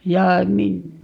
ja -